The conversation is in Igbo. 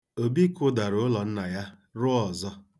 Obi kụdara ụlọ nna ya, rụọ ọzọ.